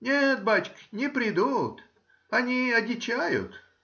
— Нет, бачка, не придут,— они одичают.